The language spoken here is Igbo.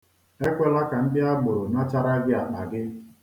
Ekwela ka ndi agboro nachara gị akpa gị.